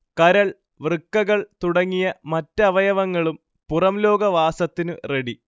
കരൾ, വൃക്കകൾ തുടങ്ങിയ മറ്റവയവങ്ങളും പുറംലോക വാസത്തിനു റെഡി